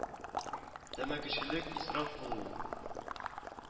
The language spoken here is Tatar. Тәмәкечелек исраф кылу ул